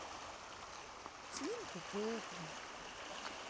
свинку пеппу